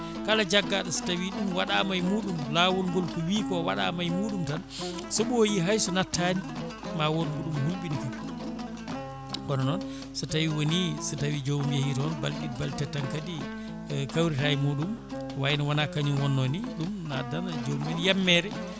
kala jaggaɗo so tawi ɗum waɗama e muɗum lawol ngol ko wiiko waɗama e muɗum tan so ɓooyi hayso nattani ma wood mo ɗum hulɓini kam kono noon so tawi woni so tawi jomum heehi toon balɗe ɗiɗi balɗe tati tan kadi kawrita e muɗum wayno wona kañum wonno ni ɗum ne addana jomumen yammere